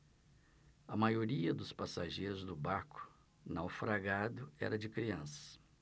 a maioria dos passageiros do barco naufragado era de crianças